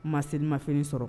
Un ma selimafini sɔrɔ.